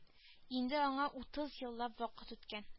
Инде аңа утыз еллап вакыт үткән